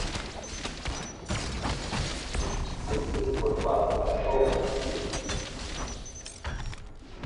รู้สึกหมดหวังกับโลกนี้